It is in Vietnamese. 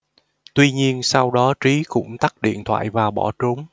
tuy nhiên sau đó trí cũng tắt điện thoại và bỏ trốn